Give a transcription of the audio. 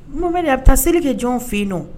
a bɛ taa seli kɛ jɔn fɛ ye nɔ.